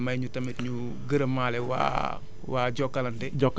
nga may ñu tamit ñu gërëmaale waa waa Jokalante